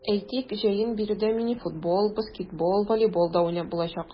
Әйтик, җәен биредә мини-футбол, баскетбол, волейбол да уйнап булачак.